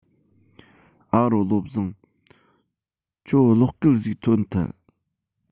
ཨ རོ བློ བཟང ཁྱོའ གློག སྐད ཟིག ཐོན ཐལ